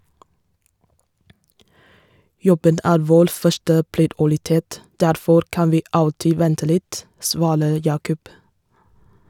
Jobben er vår første prioritet; derfor kan vi alltid vente litt, svarer Yaqub.